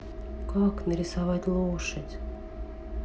как нарисовать лошадь